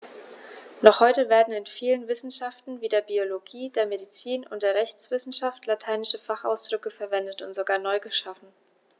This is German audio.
Noch heute werden in vielen Wissenschaften wie der Biologie, der Medizin und der Rechtswissenschaft lateinische Fachausdrücke verwendet und sogar neu geschaffen.